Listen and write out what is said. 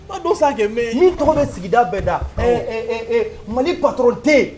Ba don san n'i tɔgɔ bɛ sigida bɛnda mali patronte